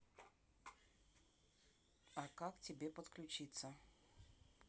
а как тебе подключиться